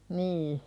niin